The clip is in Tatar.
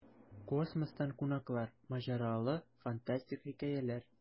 Космостан кунаклар: маҗаралы, фантастик хикәяләр.